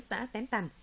xã tén tằng